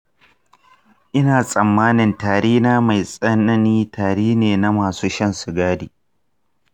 ina tsammanin tari na mai tsanani tari ne na masu shan sigari kawai.